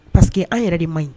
Pariseke que an yɛrɛ de man ɲi